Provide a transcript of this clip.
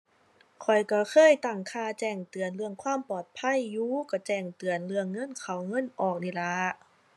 ข้อยก็เคยตั้งค่าแจ้งเตือนเรื่องความปลอดภัยอยู่ ก็แจ้งเตือนเรื่องเงินเข้าเงินออกนี้ล่ะ